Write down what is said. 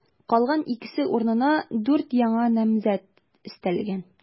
Калган икесе урынына дүрт яңа намзәт өстәлгән.